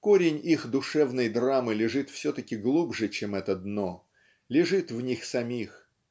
корень их душевной драмы лежит все-таки глубже чем это дно лежит в них самих.